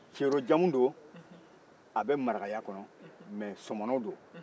celo jamu don a bɛ marakaya kɔnɔ mɛ sɔmɔnɔ don